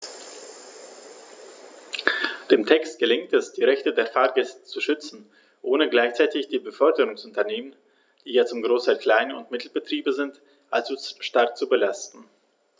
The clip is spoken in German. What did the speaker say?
Dem Text gelingt es, die Rechte der Fahrgäste zu schützen, ohne gleichzeitig die Beförderungsunternehmen - die ja zum Großteil Klein- und Mittelbetriebe sind - allzu stark zu belasten.